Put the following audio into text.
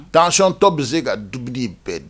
Tacɔntɔ bɛ se ka dugutigidi bɛɛ